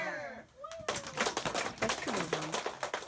спасибо вам